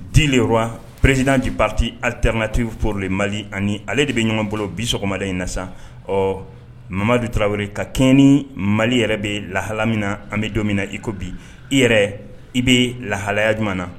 Di pererezdjipti aliterrankanti poroli mali ani ale de bɛ ɲɔgɔn bolo bi sɔgɔmada in na sa ɔ mamamadu tarawele ka kɛ ni mali yɛrɛ bɛ lahala min na an bɛ don min na i ko bi i yɛrɛ i bɛ lahalaya jumɛn na